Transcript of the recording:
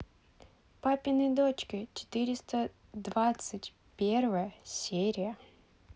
папины дочки четыреста двадцать первая серия